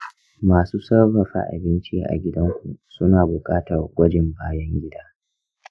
masu sarrafa abinci a gidanku suna buƙatar gwajin bayan gida